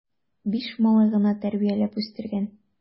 Биш малай гына тәрбияләп үстергән!